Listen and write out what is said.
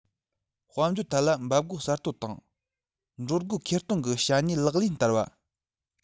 དཔལ འབྱོར ཐད ལ འབབ སྒོ གསར གཏོད དང འགྲོ སྒོ མཁས གཏོང གི བྱ གནས ལག ལེན བསྟར བ